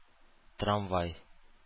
Трамвай